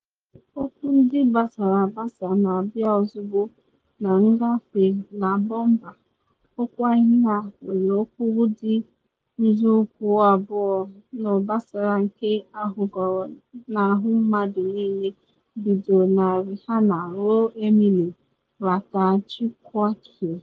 Okpu ndị basara abasa na abịa ozugbo na ngafe ‘La Bomba’, okpu ahịhịa nwere okpuru dị nzọụkwụ abụọ n’obosara nke ahụgoro n’ahụ mmadụ niile bido na Rihanna ruo Emily Ratajkowski.